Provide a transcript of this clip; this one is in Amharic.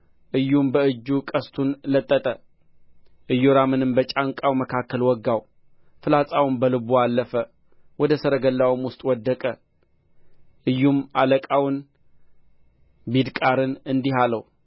ኢዩም በእጁ ቀስቱን ለጠጠ ኢዮራምንም በጫንቃው መካከል ወጋው ፍላጻውም በልቡ አለፈ ወደ ሰረገላውም ውስጥ ወደቀ ኢዩም አለቃውን ቢድቃርን እንዲህ አለው